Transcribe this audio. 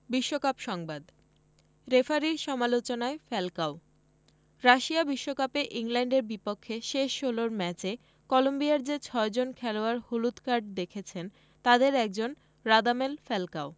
বিশ্বকাপ সংবাদ রেফারির সমালোচনায় ফ্যালকাও রাশিয়া বিশ্বকাপে ইংল্যান্ডের বিপক্ষে শেষ ষোলোর ম্যাচে কলম্বিয়ার যে ছয়জন খেলোয়াড় হলুদ কার্ড দেখেছেন তাদের একজন রাদামেল ফ্যালকাও